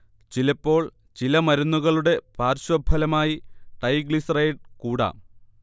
ചിലപ്പോൾ ചില മരുന്നുകളുടെ പാർശ്വഫലമായി ട്രൈഗ്ലിസറൈഡ് കൂടാം